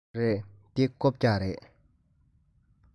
རེད འདི རྐུབ བཀྱག རེད